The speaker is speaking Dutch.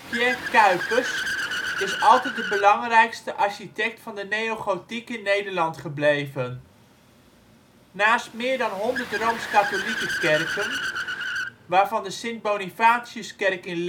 Pierre Cuypers is altijd de belangrijkste architect van de neogotiek in Nederland gebleven. Naast meer dan honderd Rooms-Katholieke Kerken, waarvan de Sint-Bonifatiuskerk in